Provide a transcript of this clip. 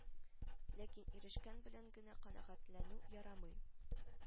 Ләкин ирешкән белән генә канәгатьләнү ярамый